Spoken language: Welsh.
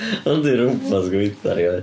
Hwn 'di'r robot gwaetha erioed.